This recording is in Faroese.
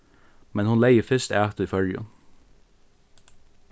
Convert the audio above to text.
men hon legði fyrst at í føroyum